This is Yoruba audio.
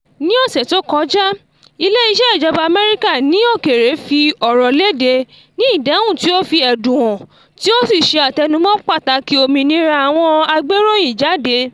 Ní ọ̀sẹ̀ tí ó kọjá, Ilé-iṣẹ́ Ìjọba Amẹ́ríkà ní Òkèèrè fi ọ̀rọ̀ léde ní ìdáhùn tí ó fi ẹ̀dùn hàn tí ó sì ṣe àtẹnumọ́ pàtàkì òmìnira àwọn agbéròyìnjáde.